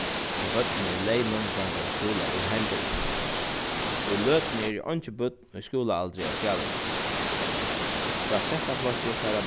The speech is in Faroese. og børnini í leynum ganga í skúla í heimbygdini í løtuni eru eingi børn í skúlaaldri á skælingi frá sætta flokki fara